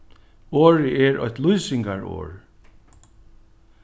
orðið er eitt lýsingarorð